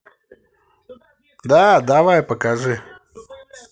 да давай покажи